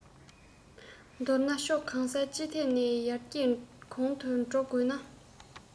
མདོར ན ཕྱོགས གང ས ཅི ཐད ནས ཡར རྒྱས གོང འཕེལ དུ འགྲོ དགོས ན